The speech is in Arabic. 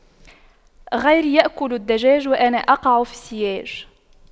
غيري يأكل الدجاج وأنا أقع في السياج